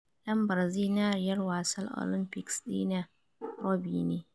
Lambar zinariyar wasar Olympics dina Robbie ne.”